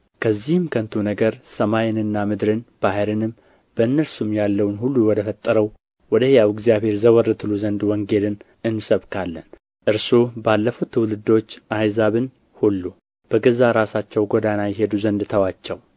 ከዚህም ከንቱ ነገር ሰማይንና ምድርን ባሕርንም በእነርሱም ያለውን ሁሉ ወደ ፈጠረ ወደ ሕያው እግዚአብሔር ዘወር ትሉ ዘንድ ወንጌልን እንሰብካለን እርሱ ባለፉት ትውልዶች አሕዛብን ሁሉ በገዛ ራሳቸው ጐዳና ይሄዱ ዘንድ ተዋቸው